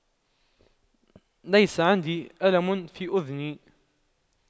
ليس عندي ألم في اذني